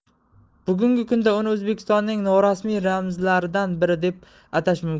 bugungi kunda uni o'zbekistonning norasmiy ramzlaridan biri deb atash mumkin